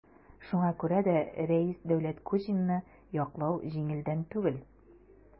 Шуңа күрә дә Рәис Дәүләткуҗинны яклау җиңелдән түгел.